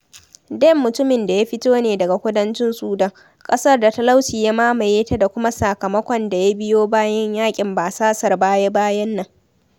Deng mutumin da ya fito ne daga kudancin Sudan, ƙasar da talauci ya mamaye ta da kuma sakamakon da ya biyo bayan yaƙin basasar baya-bayan nan.